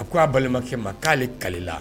A ko a balimakɛ ma k'ale kalila